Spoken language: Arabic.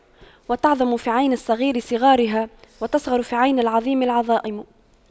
وتعظم في عين الصغير صغارها وتصغر في عين العظيم العظائم